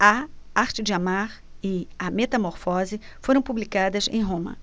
a arte de amar e a metamorfose foram publicadas em roma